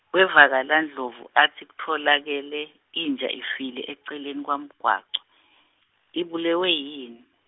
wevakala Ndlovu atsi kutfolakele, inja ifile eceleni kwemgwaco, ibulewe yini?